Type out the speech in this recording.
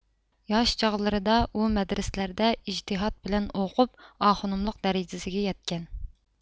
ياش چاغلىرىدا ئۇ مەدرىسىلەردە ئىجتىھات بىلەن ئوقۇپ ئاخونۇملۇق دەرىجىسىگە يەتكەن